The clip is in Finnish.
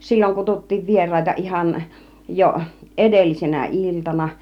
silloin kutsuttiin vieraita ihan jo edellisenä iltana